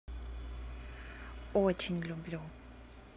очень люблю